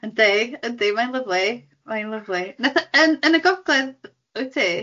Yndy yndy mae'n lyfli mae'n lyfli nath yy yn yn y gogledd wyt ti?